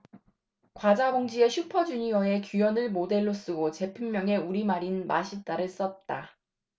과자 봉지에 슈퍼주니어의 규현을 모델로 쓰고 제품명에 우리말인 맛있다를 썼다